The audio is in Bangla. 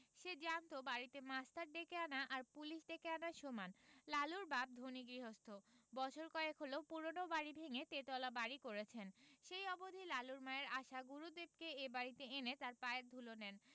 সে জানত বাড়িতে মাস্টার ডেকে আনা আর পুলিশ ডেকে আনা সমান লালুর বাপ ধনী গৃহস্থ বছর কয়েক হলো পুরানো বাড়ি ভেঙ্গে তেতলা বাড়ি করেছেন সেই অবধি লালুর মায়ের আশা গুরুদেবকে এ বাড়িতে এনে তাঁর পায়ের ধুলো নেন